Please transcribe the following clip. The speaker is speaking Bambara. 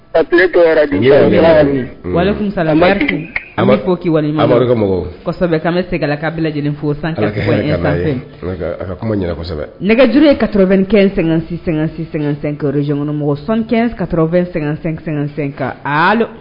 Nɛgɛj kɛ sɛgɛnmɔgɔ sɛgɛn